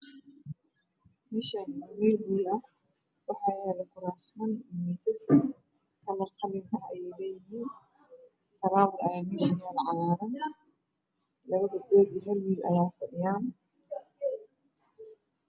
Meeshaani waa meel hool ah waxaa yaalo kuraasman iyo misas kalar qalin ayey leeyihiin falaawer ayaa meesha yaalo cagaaran labo gabdhood iyo hal wiil ayaa fadhiyaan